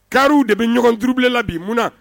Kaw de bɛ ɲɔgɔnurubibilen la bi mun na